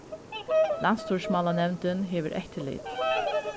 landsstýrismálanevndin hevur eftirlit